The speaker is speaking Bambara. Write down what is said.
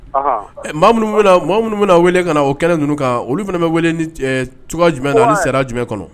Minnu bɛna wele ka na o kɛlen ninnu kan olu fana wele cogoya jumɛn sera jumɛn kɔnɔ